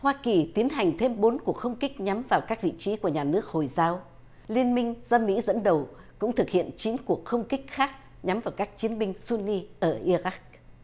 hoa kỳ tiến hành thêm bốn cuộc không kích nhắm vào các vị trí của nhà nước hồi giáo liên minh do mỹ dẫn đầu cũng thực hiện chín cuộc không kích khác nhắm vào các chiến binh xu ni ở ia gắc